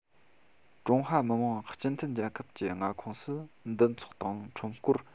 ཀྲུང ཧྭ མི དམངས སྤྱི མཐུན རྒྱལ ཁབ ཀྱི མངའ ཁོངས སུ འདུ ཚོགས དང ཁྲོམ སྐོར